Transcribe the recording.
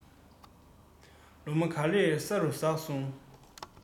ལོ མ ག ལེར ས རུ ཟགས བྱུང